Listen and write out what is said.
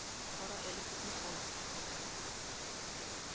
Кара әле, күпме халык